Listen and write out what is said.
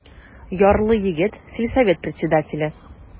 Ярлы егет, сельсовет председателе.